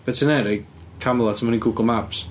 Be ti'n wneud? Rhoi Camelot mewn i Google Maps?